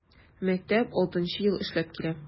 Мәктәп 6 нчы ел эшләп килә.